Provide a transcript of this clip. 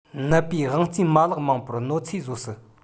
ནད པའི དབང རྩའི མ ལག མང པོར གནོད འཚེ བཟོ སྲིད